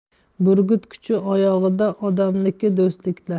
burgut kuchi oyog'ida odamniki do'stlikda